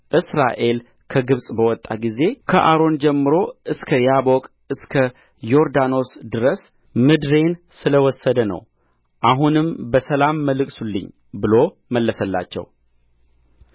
እስራኤል ከግብፅ በወጣ ጊዜ ከአርኖን ጀምሮ እስከ ያቦቅና እስከ ዮርዳኖስ ድረስ ምድሬን ስለ ወሰደ ነው አሁንም በሰላም መልሱልኝ ብሎ መለሰላቸው